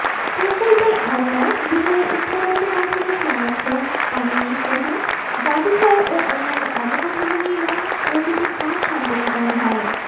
প্রকল্পের আওতায় বিহারের স্থাপত্য কাঠামো সংরক্ষণ পানি নিষ্কাশন জাদুঘর ও অন্যান্য অবকাঠামো নির্মাণ প্রভৃতি কাজ সম্পন্ন করা হয়